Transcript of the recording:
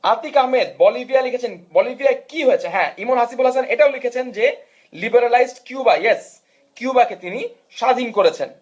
Atik Ahmed Bolivia লিখেছেন Bolivar কি হয়েছে হ্যাঁ ইমন হাসিবুল হাসান এটাও লিখেছেন যে লিবেরালাইজড কিউবা হ্যাঁ কিউবাকে তিনি স্বাধীন করেছেন